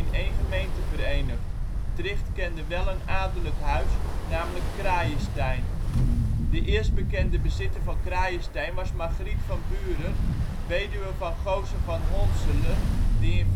1811 in één gemeente verenigd. Tricht kende wel een adellijk huis, namelijk Crayestein. De eerst bekende bezitter van Crayestein was Margriet van Buren, weduwe van Gosen van Honseler die in